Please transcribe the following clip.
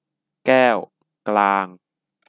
แก้วกลาง